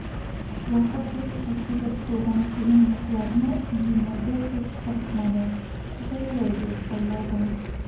Вакытлыча килеп туган кыенлыкларны җиңәргә көч тапмадың, җайлы юл сайладың.